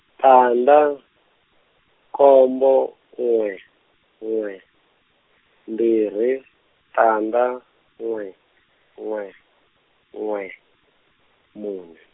tandza, nkombo, n'we n'we, mbirhi tandza, n'we n'we n'we, mune.